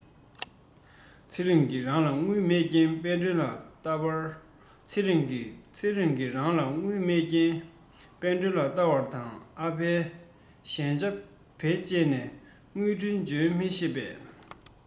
ཚེ རིང གི རང ལ དངུལ མེད རྐྱེན དཔལ སྒྲོན ལ བལྟ བར ཚེ རིང གི ཚེ རིང གི རང ལ དངུལ མེད རྐྱེན དཔལ སྒྲོན ལ བལྟ བར དང ཨ ཕའི གཞན ཆ བེད སྤྱད ནས དངུལ འཕྲིན སྤྱོད མི ཤེས པས